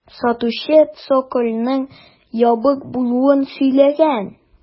Сатучы цокольның ябык булуын сөйләгән.